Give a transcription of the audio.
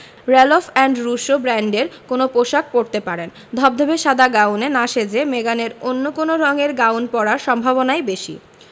র ্যালফ and Russo ব্র্যান্ডের কোনো পোশাক পরতে পারেন ধবধবে সাদা গাউনে না সেজে মেগানের অন্য কোন রঙের গাউন পরার সম্ভাবনাই বেশি